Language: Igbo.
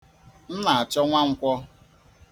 M na-achọ Nwankwọ.